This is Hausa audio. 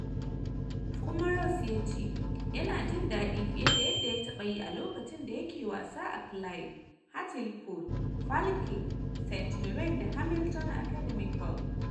Kuma Ross ya ce yana jin dadi fiye da yadda ya taba yi a lokacin da yake wasa a Clyde, Hartlepool, Falkirk, St Mirren da Hamilton Academical.